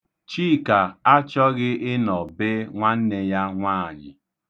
Chika achọghị ịnọ be nwanne ya nwaanyị.